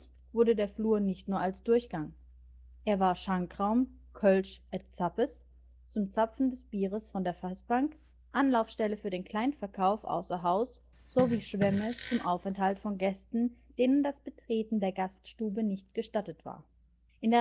wurde der Flur nicht nur als Durchgang: Er war Schankraum (Kölsch: et Zappes) zum Zapfen des Bieres von der Fassbank, Anlaufstelle für den Kleinverkauf außer Haus sowie Schwemme zum Aufenthalt von Gästen, denen das Betreten der Gaststube nicht gestattet war. In